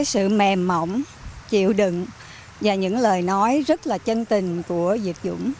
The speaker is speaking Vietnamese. sự mềm mỏng chịu đựng và những lời nói rất là chân tình của việt dũng